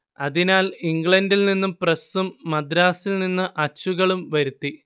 അതിനാൽ ഇംഗ്ലണ്ടിൽ നിന്നും പ്രസ്സും മദ്രാസിൽ നിന്നും അച്ചുകളും വരുത്തി